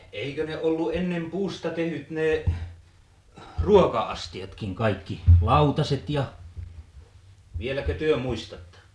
eikö ne ollut ennen puusta tehdyt ne ruoka-astiatkin kaikki lautaset ja vieläkö te muistatte